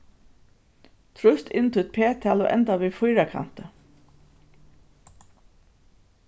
trýst inn títt p-tal og enda við fýrakanti